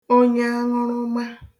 onyeaṅụrụma